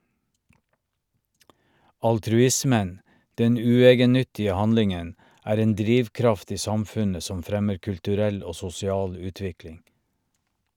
Altruismen, den uegennyttige handlingen, er en drivkraft i samfunnet som fremmer kulturell og sosial utvikling.